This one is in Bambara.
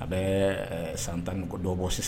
A bɛ san tan ni dɔbɔ sisan